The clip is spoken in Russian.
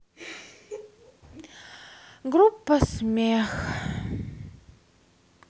группа смех